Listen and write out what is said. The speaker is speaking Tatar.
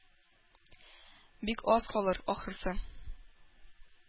Бик аз калыр, ахрысы.